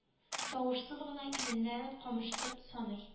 Тавышсыз гына иреннәрен кымшатып саный